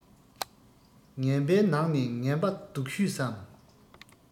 ངན པའི ནང ནས ངན པ སྡུག ཤོས སམ